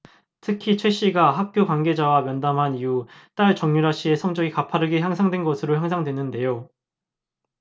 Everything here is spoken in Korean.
특히 최 씨가 학교 관계자와 면담한 이후 딸 정유라 씨의 성적이 가파르게 향상된 것으로 확인됐는데요